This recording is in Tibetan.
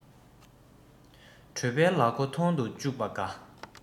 གྲོད པའི ལག མགོ ཐུང དུ བཅུག པ དགའ